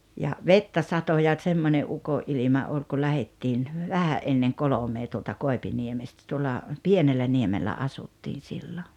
ja vettä satoi ja semmoinen - ukonilma oli kun lähdettiin vähän ennen kolmea tuolta Koipiniemestä tuolla Pienelläniemellä asuttiin silloin